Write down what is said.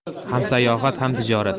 ham sayohat ham tijorat